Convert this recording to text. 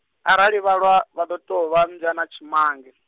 arali vha lwa, vhado tou vha mmbwa dza tshimange.